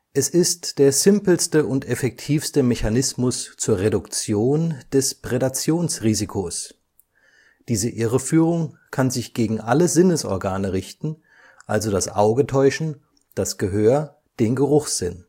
Es ist der simpelste und effektivste Mechanismus zur Reduktion des Prädationsrisikos. Diese Irreführung kann sich gegen alle Sinnesorgane richten, also das Auge täuschen, das Gehör, den Geruchssinn